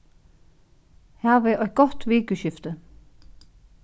havið eitt gott vikuskifti